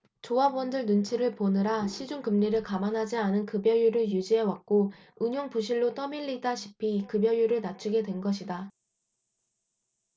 조합원들 눈치를 보느라 시중 금리를 감안하지 않은 급여율을 유지해왔고 운용 부실로 떠밀리다시피 급여율을 낮추게 된 것이다